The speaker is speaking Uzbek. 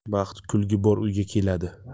baxt kulgi bor uyga kiradi